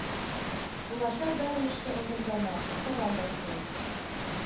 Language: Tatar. Булачак бәрелешкә әзерләнә. корал ясый